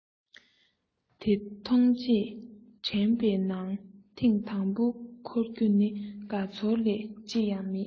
དེ མཐོང རྗེས དྲན པའི ནང ཐེངས དང པོར འཁོར རྒྱུ ནི དགའ ཚོར ལས ཅི ཡང མེད